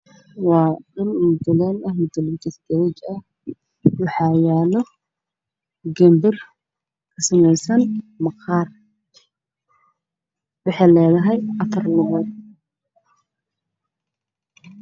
Halkaan waxaa ka muuqdo gambar ka samaysan maqaar